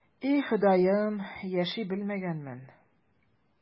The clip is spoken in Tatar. И, Ходаем, яши белмәгәнмен...